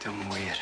Dio'm yn wir.